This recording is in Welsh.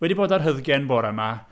Wedi bod ar Hyddgen bore yma...